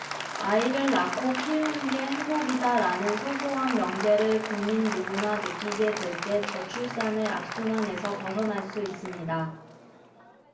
아이를 낳고 키우는 게 행복이다라는 소소한 명제를 국민 누구나 느끼게 될 때 저출산의 악순환에서 벗어날 수 있습니다